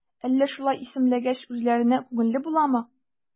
Әллә шулай исемләгәч, үзләренә күңелле буламы?